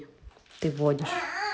ты водишь